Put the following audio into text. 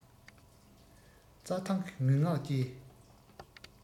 རྩ ཐང གི ངུ ངག བཅས